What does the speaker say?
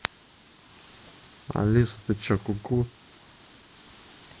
алиса ты что ку ку